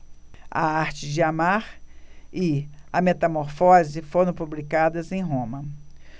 a arte de amar e a metamorfose foram publicadas em roma